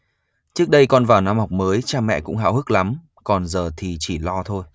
trước đây con vào năm học mới cha mẹ cũng háo hức lắm còn giờ thì chỉ lo thôi